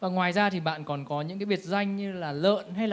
và ngoài ra thì bạn còn có những cái biệt danh như là lợn hay